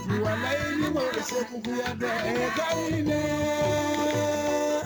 Saba yi mɔ sekunya tɛ ka fɛ